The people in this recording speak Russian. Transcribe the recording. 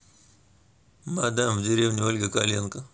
мадам в деревне ольга коленко